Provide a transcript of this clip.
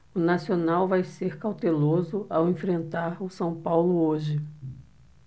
o nacional vai ser cauteloso ao enfrentar o são paulo hoje